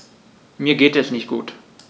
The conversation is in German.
Mir geht es nicht gut.